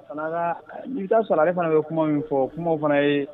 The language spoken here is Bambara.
Kana nita sara ale fana bɛ kuma min fɔ kuma fana ye